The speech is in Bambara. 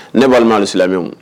Ne b' ni silamɛ